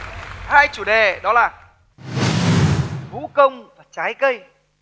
hai chủ đề đó là vũ công trái cây